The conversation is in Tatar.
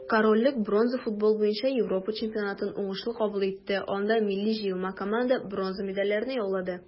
Корольлек бронза футбол буенча Европа чемпионатын уңышлы кабул итте, анда милли җыелма команда бронза медальләрне яулады.